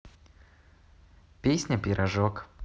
песня пирожок